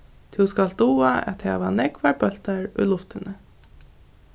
tú skalt duga at hava nógvar bóltar í luftini